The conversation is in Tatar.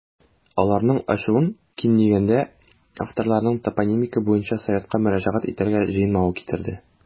Аларның ачуын, ким дигәндә, авторларның топонимика буенча советка мөрәҗәгать итәргә җыенмавы китерде.